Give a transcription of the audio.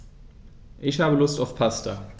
Ich habe Lust auf Pasta.